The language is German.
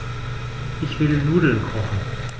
Ich will Nudeln kochen.